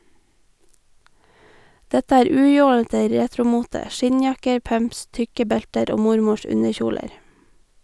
Dette er ujålete retromote, skinnjakker, pumps, tykke belter og mormors underkjoler.